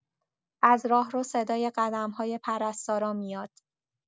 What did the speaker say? از راهرو صدای قدم‌های پرستارا میاد.